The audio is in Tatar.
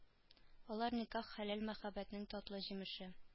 Алар никах хәләл мәхәббәтнең татлы җимеше